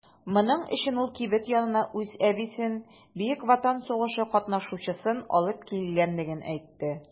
Моның өчен ул кибет янына үз әбисен - Бөек Ватан сугышы катнашучысын алып килгәнлеген әйтте.